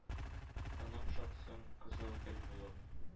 Каным шытсын кызыл гөл булып.